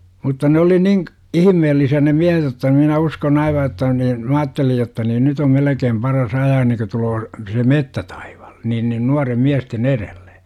mutta ne oli niin ihmeellisiä ne miehet jotta minä uskon aivan jotta niin minä ajattelin jotta niin nyt on melkein paras ajaa ennen kuin tulee se metsätaival niin niin nuorten miesten edelle